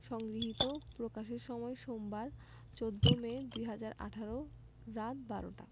সংগৃহীত প্রকাশের সময় সোমবার ১৪ মে ২০১৮ রাত ১২টা